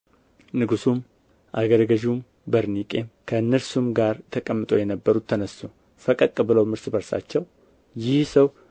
ንጉሡም አገረ ገዡም በርኒቄም ከእነርሱም ጋር ተቀምጠው የነበሩት ተነሡ ፈቀቅ ብለውም እርስ በርሳቸው ይህ ሰው